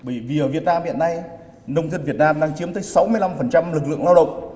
bởi vì ở việt nam hiện nay nông dân việt nam đang chiếm tới sáu mươi lăm phần trăm lực lượng lao động